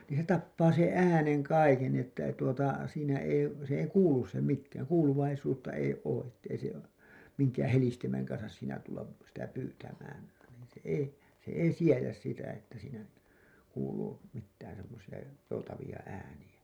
niin se tapaa sen äänen kaiken niin että ei tuota siinä ei se ei kuulu se mikään kuuluvaisuutta ei ole että ei se minkään helistimen kanssa siinä tulla sitä pyytämään niin se ei se ei siedä sitä että siinä kuuluu mitään semmoisia joutavia ääniä